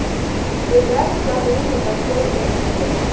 поиграем в самый умный какой это идет